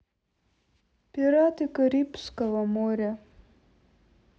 пираты карибского моря